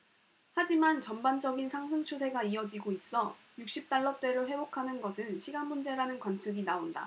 하지만 전반적인 상승 추세가 이어지고 있어 육십 달러대를 회복하는 것은 시간문제라는 관측이 나온다